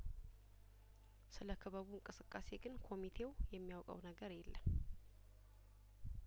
ስለክበቡ እንቅስቃሴ ግን ኮሚቴው የሚያውቀው ነገር የለም